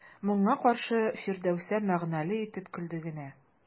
Моңа каршы Фирдәүсә мәгънәле итеп көлде генә.